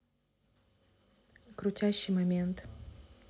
крутящий момент